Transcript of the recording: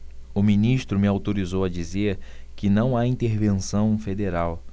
o ministro me autorizou a dizer que não há intervenção federal